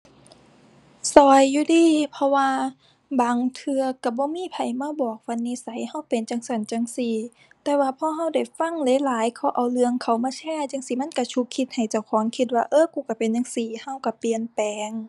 ช่วยอยู่เดะ เพราะว่าบางเทื่อช่วยบ่มีไผมาบอกว่านิสัยช่วยเป็นจั่งซั้นจั่งซี้ แต่ว่าพอช่วยได้ฟังหลายหลาย เขาเอาเรื่องเข้ามาแชร์จั่งซี้ มันช่วยฉุกคิดให้เจ้าของคิดว่า เอ้อ กูช่วยเป็นจั่งซี้ ช่วยช่วยเปลี่ยนแปลง